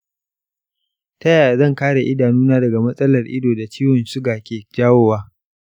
ta yaya zan kare idanuna daga matsalar ido da ciwon suga ke jawowa?